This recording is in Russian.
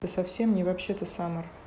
ты совсем не вообще то summer